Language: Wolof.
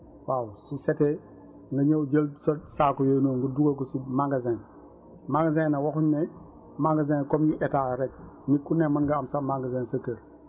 waaw su setee nga ñëw jël sa saaku yooyu noonu nga dugal ko si magasin magasin nag waxuñ ne magasin comme ni Etat rekk nit ku ne mën ngaa am sa magasin sa kër